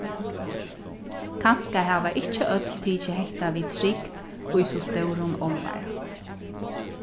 kanska hava ikki øll tikið hetta við trygd í so stórum álvara